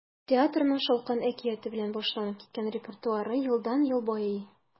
Театрның “Шалкан” әкияте белән башланып киткән репертуары елдан-ел байый.